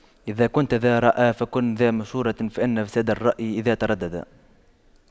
إذا كنتَ ذا رأيٍ فكن ذا مشورة فإن فساد الرأي أن تترددا